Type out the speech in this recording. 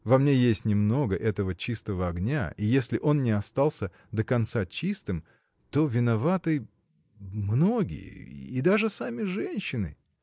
Во мне есть немного этого чистого огня, и если он не остался до конца чистым, то виноваты. многие. и даже сами женщины.